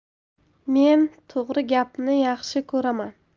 men to'g'ri gapni yaxshi ko'raman